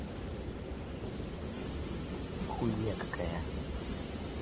хуйня какая